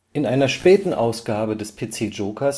In einer späten Ausgabe des PC Joker